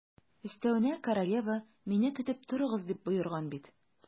Өстәвенә, королева: «Мине көтеп торыгыз», - дип боерган бит.